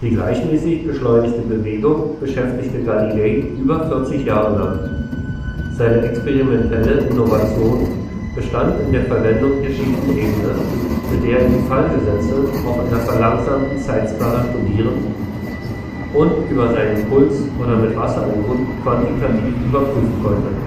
gleichmäßig beschleunigte Bewegung beschäftigte Galilei über vierzig Jahre lang. Seine experimentelle Innovation bestand in der Verwendung der schiefen Ebene, mit der er die Fallgesetze auf einer verlangsamten Zeitskala studieren und – über seinen Puls oder mit Wasseruhren – quantitativ überprüfen konnte